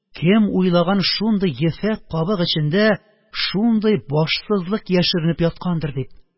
Кем уйлаган шундый ефәк кабык эчендә шундый башсызлык яшеренеп яткандыр дип?»